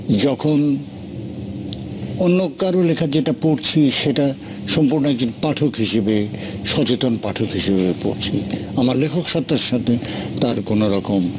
যখন অন্য কারো লেখা যেটা পড়ছি সেটা সম্পূর্ণ একজন পাঠক হিসেবে সচেতন পাঠক হিসেবে পড়ছি আমার লেখক সত্তার সাথে তার কোনরকম